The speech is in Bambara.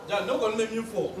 Ne kɔni ne min fɔ